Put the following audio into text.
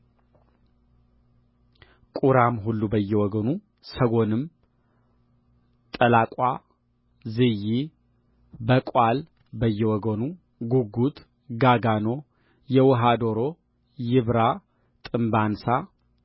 ቍራም ሁሉ በየወገኑ ሰጎንም ጠላቋ ዝዪ በቋል በየወገኑ ጕጕት ጋጋኖ የውኃ ዶሮ ይብራ ጥምብ አንሣ